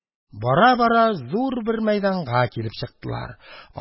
Бара-бара, зур бер мәйданга килеп чыктылар.